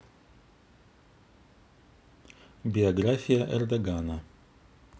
биография эрдогана